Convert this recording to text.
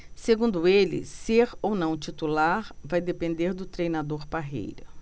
segundo ele ser ou não titular vai depender do treinador parreira